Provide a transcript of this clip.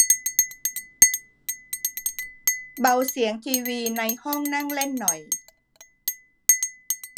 เบาเสียงทีวีในห้องนั่งเล่นหน่อย